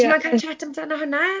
Ti moyn cael chat amdano hwnna?